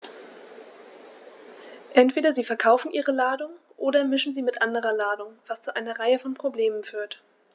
Entweder sie verkaufen ihre Ladung oder mischen sie mit anderer Ladung, was zu einer Reihe von Problemen führt.